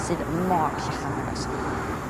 sydd mor llachar nag o's?